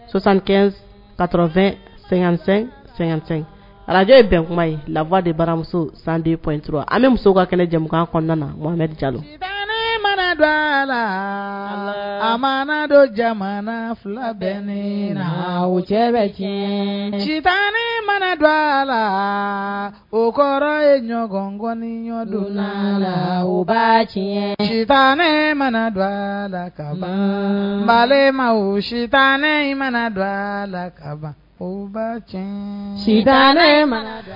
Sonsanɛn katofɛn sɛsen sɛgɛnsɛn araj ye bɛn kuma ye lafa de baramuso san de ptura an muso ka kɛlɛ jamanamukan kɔnɔna na jalo tan mana dɔ a la a ma dɔ jamana fila bɛ ne na o cɛ bɛ tiɲɛ si tan mana don a la o kɔrɔ ye ɲɔgɔn ŋɔni ɲɔgɔndon la la u ba tiɲɛ tan mana don a la ka ban ma ma si tan in mana don a la ka ban ba cɛ sitan ne ma